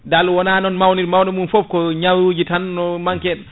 dal wona non mawni mawni mawn mum foof ko ñawuji tan no manki en